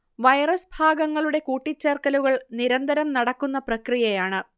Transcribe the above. virus ഭാഗങ്ങളുടെ കൂട്ടിച്ചേർക്കലുകൾ നിരന്തരം നടക്കുന്ന പ്രക്രിയയാണ്